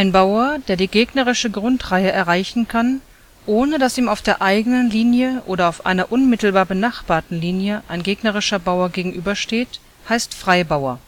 Bauer, der die gegnerische Grundreihe erreichen kann, ohne dass ihm auf der eigenen Linie oder auf einer unmittelbar benachbarten Linie ein gegnerischer Bauer gegenüber steht, heißt Freibauer